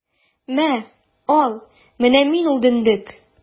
Мә, ал, менә мин ул дөндек!